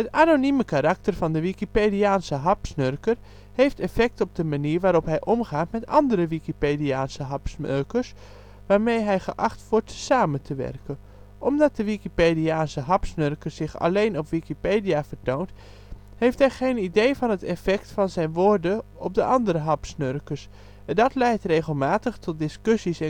anonieme karakter van de Wikipediaanse hapsnurker heeft effect op de manier waarop hij omgaat met de andere Wikipediaanse hapsnurkers waarmee hij geacht wordt samen te werken. Omdat de Wikipediaanse hapsnurker zich alleen op Wikipedia vertoont, heeft hij geen idee van het effect van zijn woorden op de andere hapsnurkers. En dat leidt regelmatig tot discussies